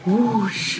Whoosh.